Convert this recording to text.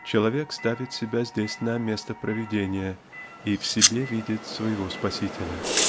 человек ставит себя здесь на место Провидения и в себе видит своего спасителя.